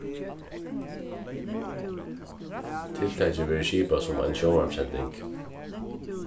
tiltakið verður skipað sum ein sjónvarpssending